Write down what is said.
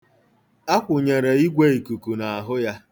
A kwụnyere igwe ikuku n'ahụ ya.